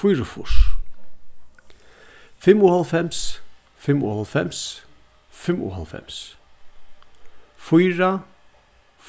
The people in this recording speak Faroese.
fýraogfýrs fimmoghálvfems fimmoghálvfems fimmoghálvfems fýra